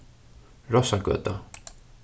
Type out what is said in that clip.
rosságøta